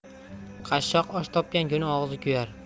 qashshoq osh topgan kuni og'zi kuyar